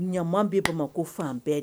Ɲaman bɛ Bamakɔ fan bɛɛ fɛ